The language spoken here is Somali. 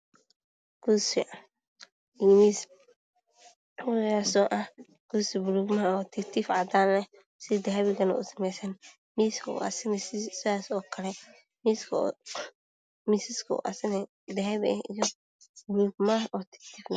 Waa kursi iyo miis buluug ah iyo tiiftiif cadaan ah leh sidii dahabiga usameysan, miiska waa dahabi.